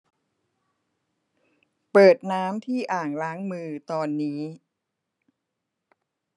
เปิดน้ำที่อ่างล้างมือตอนนี้